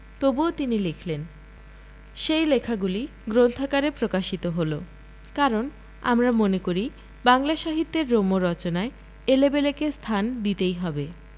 তবু তিনি লিখলেন সেই লেখাগুলি গ্রন্থাকারে প্রকাশিত হল কারণ আমরা মনে করি বাংলা সাহিত্যের রম্য রচনায় এলেবেলে' কে স্থান দিতেই হবে